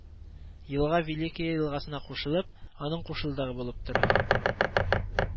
Елга Великая елгасына кушылып, аның кушылдыгы булып тора